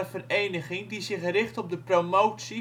vereniging die zich richt op de promotie